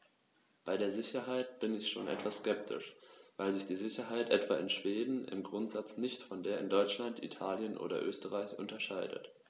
Bei der Sicherheit bin ich schon etwas skeptisch, weil sich die Sicherheit etwa in Schweden im Grundsatz nicht von der in Deutschland, Italien oder Österreich unterscheidet.